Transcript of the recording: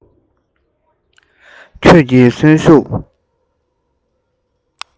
ཁྱོད ཀྱིས གསོན ཤུགས